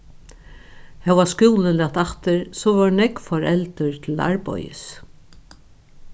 hóast skúlin læt aftur so vóru nógv foreldur til arbeiðis